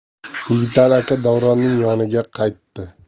yigitali aka davronning yoniga qaytdi